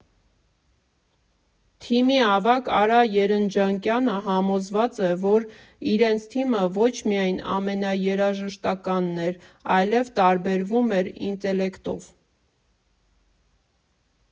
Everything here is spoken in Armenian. Թիմի ավագ Արա Երնջակյանը համոզված է, որ իրենց թիմը ոչ միայն ամենաերաժշտականն էր, այլև տարբերվում էր ինտելեկտով։